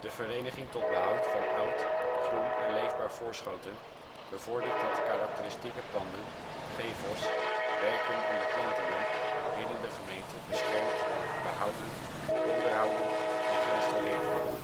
Vereniging tot Behoud van Oud -, Groen -, en Leefbaar Voorschoten bevordert dat karakteristieke panden, gevels, werken en beplantingen binnen de gemeente beschermd, behouden, onderhouden en gerestaureerd worden